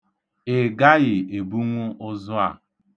Ị gaghị ebunwu ụzụ a.